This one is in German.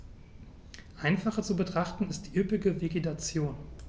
Einfacher zu betrachten ist die üppige Vegetation.